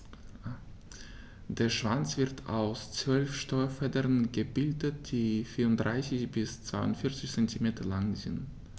Der Schwanz wird aus 12 Steuerfedern gebildet, die 34 bis 42 cm lang sind.